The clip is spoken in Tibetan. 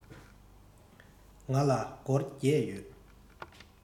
ང ལ སྒོར བརྒྱད ཡོད